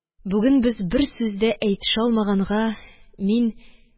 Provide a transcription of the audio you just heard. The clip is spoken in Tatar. Бүген без бер сүз дә әйтешә алмаганга, мин: